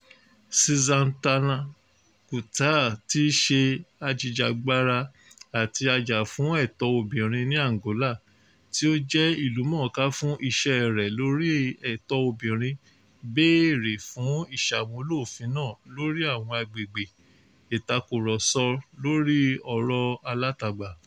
Sizaltina Cutaia, tí í ṣe ajìjàgbara àti ajàfẹ́tọ̀ọ́ obìnrin ní Angola; tí ó jẹ́ ìlúmọ̀ọ́ká fún iṣẹ́ẹ rẹ̀ lórí ẹ̀tọ́ obìnrin béèrè fún ìṣàmúlò òfin náà lórí àwọn gbàgede ìtàkùrọ̀sọ lórí ẹ̀rọ-alátagbà: